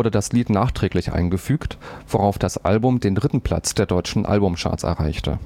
das Lied nachträglich eingefügt, worauf das Album den dritten Platz der deutschen Album-Charts erreichte